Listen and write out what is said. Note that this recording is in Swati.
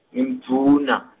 Ngimdvuna.